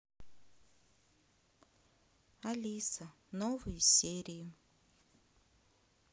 алиса новые серии